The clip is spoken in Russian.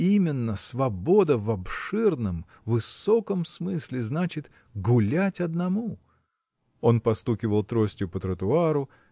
именно: свобода в обширном, высоком смысле значит – гулять одному! Он постукивал тростью по тротуару